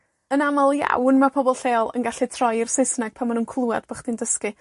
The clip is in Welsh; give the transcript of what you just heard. Yn amal iawn ma' pobol lleol yn gallu troi i'r Saesneg pan ma' nw'n clwad bo' chdi'n dysgu.